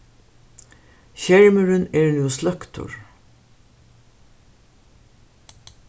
skermurin er nú sløktur